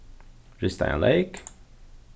ristaðan leyk